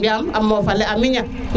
yam a mofa le a miña